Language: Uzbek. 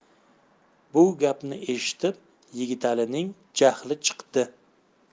bu gapni eshitib yigitalining jahli chiqdi